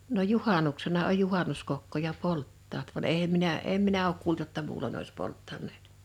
no juhannuksena on juhannuskokkoja polttavat vaan en minä en minä ole kuullut jotta muulloin olisi polttaneet